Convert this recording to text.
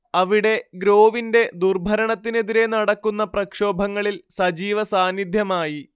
അവിടെ ഗ്രോവിന്റെ ദുർഭരണത്തിനെതിരേ നടക്കുന്ന പ്രക്ഷോഭങ്ങളിൽ സജീവ സാന്നിദ്ധ്യമായി